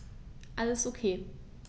Alles OK.